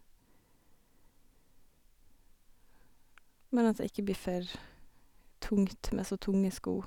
Men at det ikke blir for tungt med så tunge sko.